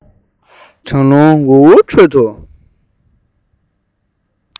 གྲང རླུང འུར འུར ཁྲོད དུ